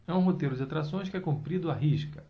há um roteiro de atrações que é cumprido à risca